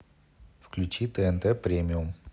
включи тнт премиум